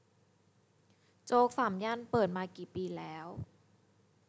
โจ๊กสามย่านเปิดมากี่ปีแล้ว